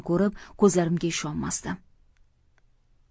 ko'rib ko'zlarimga ishonmasdim